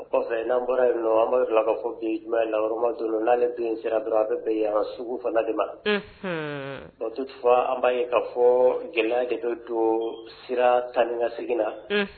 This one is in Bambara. O kɔfɛ nan bɔra yen an amadu fila ka fɔ jumɛn na ma don anale bɛ sira dɔrɔn bɛ bɛ an sugu fana de ma tu fɔ an b'a ye k kaa fɔ gɛlɛya jateto don sira tanni seginna na